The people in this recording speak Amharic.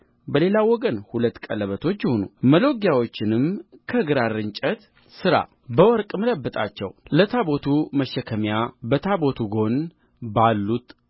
በሌላው ወገን ሁለት ቀለበቶች ይሁኑ መሎጊያዎችንም ከግራር እንጨት ሥራ በወርቅም ለብጣቸው ለታቦቱ መሸከሚያ በታቦቱ ጐን ባሉት